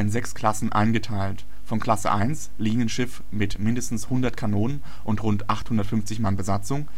sechs Klassen eingeteilt, von Klasse 1, Linienschiff mit mindestens hundert Kanonen und rund 850 Mann Besatzung